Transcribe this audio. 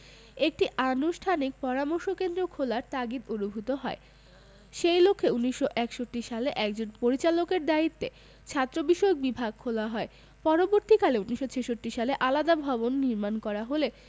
একটি আনুষ্ঠানিক পরামর্শ কেন্দ্র খোলার তাগিদ অনুভূত হয় সেই লক্ষ্যে ১৯৬১ সালে একজন পরিচালকের দায়িত্বে ছাত্রবিষয়ক বিভাগ খোলা হয় পরবর্তীকালে ১৯৬৬ সালে আলাদা ভবন নির্মাণ করা হলে